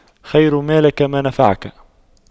خير مالك ما نفعك